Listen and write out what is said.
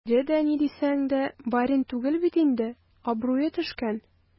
Ире дә, ни дисәң дә, барин түгел бит инде - абруе төшкән.